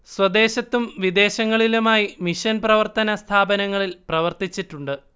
സ്വദേശത്തും വിദേശങ്ങളിലുമായി മിഷൻ പ്രവർത്തന സ്ഥാപനങ്ങളിൽ പ്രവർത്തിച്ചിട്ടുണ്ട്